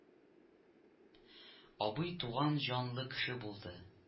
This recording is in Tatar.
— абый туган җанлы кеше булды